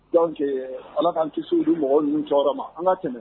Donc Ala k'an kisi olu mɔgɔ ninnu tɔɔrɔ ma an ŋa tɛmɛ